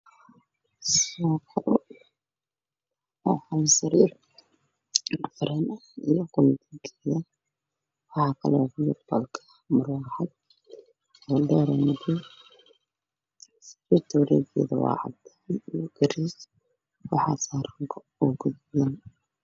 Meeshan boqol waxaa yeelay sariir midabkeeda waa caddaan waxaa yaal muraxad midooday ah darbiga uu cadaan